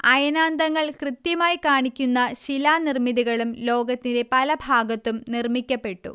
അയനാന്തങ്ങൾ കൃത്യമായി കാണിക്കുന്ന ശിലാനിർമ്മിതികളും ലോകത്തിന്റെ പലഭാഗത്തും നിർമ്മിക്കപ്പെട്ടു